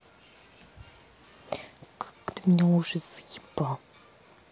как ты уже меня заебал